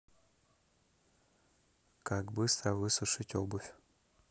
как быстро высушить обувь